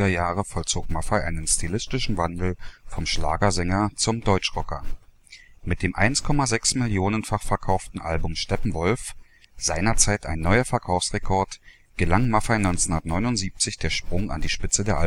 Jahre vollzog Maffay einen stilistischen Wandel vom Schlagersänger zum „ Deutschrocker “. Mit dem 1,6-Millionen-fach verkauften Album Steppenwolf, seinerzeit ein neuer Verkaufsrekord, gelang Maffay 1979 der Sprung an die Spitze der